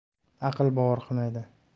aql bovar qilmaydi